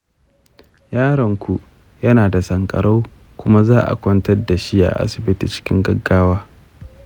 yaronku yana da sanƙarau kuma za a kwantar da shi a asibiti cikin gaggawa.